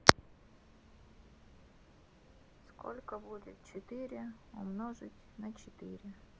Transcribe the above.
сколько будет четыре умножить на четыре